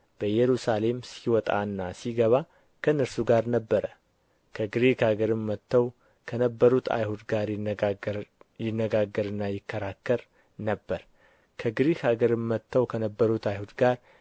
በኢየሩሳሌም ሲወጣና ሲገባ ከእነርሱ ጋር ነበረ ከግሪክ አገርም መጥተው ከነበሩት አይሁድ ጋር